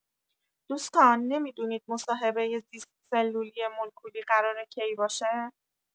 دوستان نمی‌دونید مصاحبۀ زیست سلولی مولکولی قراره کی باشه؟